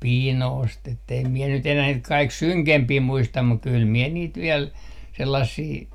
piinausta että en minä nyt enää niitä kaikki synkempiä muista mutta kyllä minä niitä vielä sellaisia